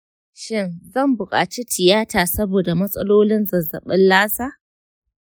shin zan buƙaci tiyata saboda matsalolin zazzabin lassa?